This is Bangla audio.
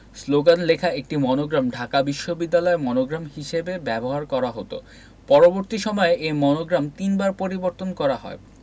শ্লোগান লেখা একটি মনোগ্রাম ঢাকা বিশ্ববিদ্যালয়ের মনোগ্রাম হিসেবে ব্যবহার করা হতো পরবর্তী সময়ে এ মনোগ্রাম তিনবার পরিবর্তন করা হয়